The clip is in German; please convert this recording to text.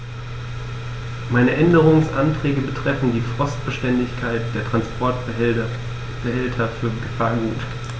Meine Änderungsanträge betreffen die Frostbeständigkeit der Transportbehälter für Gefahrgut.